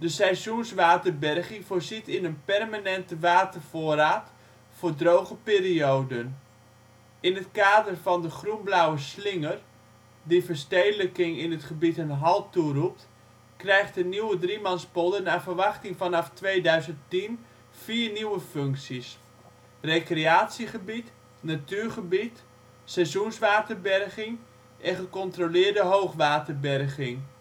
seizoenswaterberging voorziet in een permanente watervoorraad voor droge perioden. In het kader van de Groenblauwe slinger, die verstedelijking in dit gebied een halt toe roept, krijgt de Nieuwe Driemanspolder naar verwachting vanaf 2010 vier nieuwe functies: recreatiegebied, natuurgebied, seizoenswaterberging en gecontroleerde hoogwaterberging